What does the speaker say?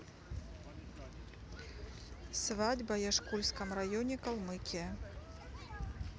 свадьба яшкульском районе калмыкия